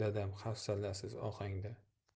dedi dadam hafsalasiz ohangda